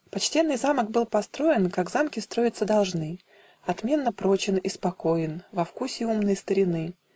Почтенный замок был построен, Как замки строиться должны: Отменно прочен и спокоен Во вкусе умной старины.